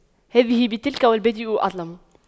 هذه بتلك والبادئ أظلم